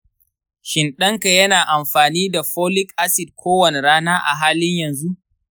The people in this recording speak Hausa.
shin ɗan ka yana amfani da folic acid kowace rana a halin yanzu?